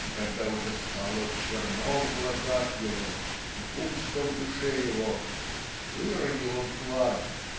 И когда уже "стало черно в глазах его и пусто в душе его" выронил он флаг.